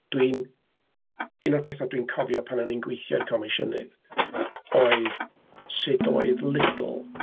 Dwi'n, un o'r petha dwi'n cofio pan o'n ni'n gweithio i'r Comisiynydd oedd sut oedd Lidl...